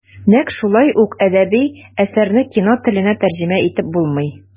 Нәкъ шулай ук әдәби әсәрне кино теленә тәрҗемә итеп булмый.